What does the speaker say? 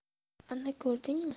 ana ko'rdingmi